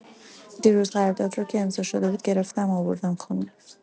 دیروز قرارداد رو که امضاء‌شده بود، گرفتم آوردم خونه.